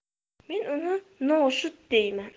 men uni noshud deyman